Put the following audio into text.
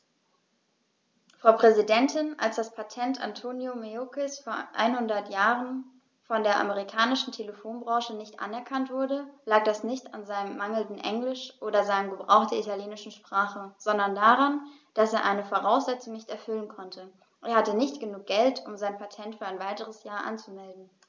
Frau Präsidentin, als das Patent Antonio Meuccis vor einhundert Jahren von der amerikanischen Telefonbranche nicht anerkannt wurde, lag das nicht an seinem mangelnden Englisch oder seinem Gebrauch der italienischen Sprache, sondern daran, dass er eine Voraussetzung nicht erfüllen konnte: Er hatte nicht genug Geld, um sein Patent für ein weiteres Jahr anzumelden.